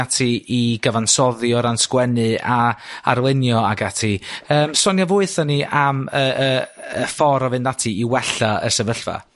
ati i gyfansoddi o ran sgwennu a arlunio ac ati, yym sonia fwy 'thon ni am y y y ffor o fynd ati i wella y sefyllfa.